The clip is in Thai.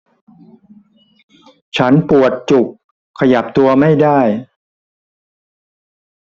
ฉันปวดจุกขยับตัวไม่ได้